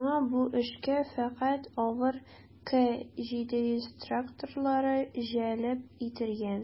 Шуңа бу эшкә фәкать авыр К-700 тракторлары җәлеп ителгән.